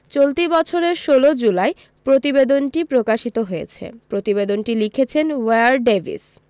চলতি বছরের ১৬ জুলাই প্রতিবেদনটি প্রকাশিত হয়েছে প্রতিবেদনটি লিখেছেন ওয়্যার ডেভিস